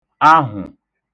ahwụ̀